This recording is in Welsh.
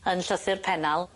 yn llythyr Pennal.